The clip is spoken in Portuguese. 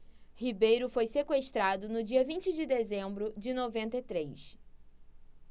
ribeiro foi sequestrado no dia vinte de dezembro de noventa e três